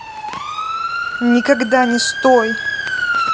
никогда не стой